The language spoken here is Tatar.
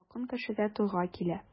Якын кешегә туйга килә.